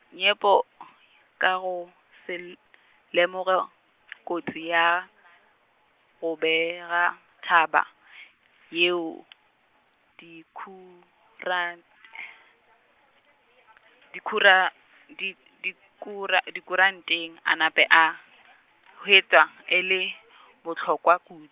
Nyepo , ka go se l- lemoge , kotsi ya, go bega thaba , yeo , dikurant-, dikura-, di dikura-, dikuranteng a napa a hwetša, e le bohlokwa ku-.